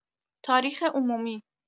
تاریخ عمومی